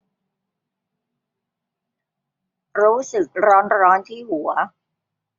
รู้สึกร้อนร้อนที่หัว